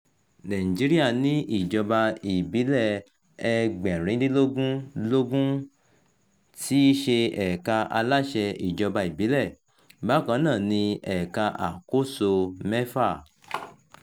Nàìjíríà ní ìjọba ìbílẹ̀ 774, tí í ṣe ẹ̀ka aláṣẹ ìjọba ìbílẹ̀. Bákan náà ni ó ní ẹ̀ka àkóso mẹ́fàá.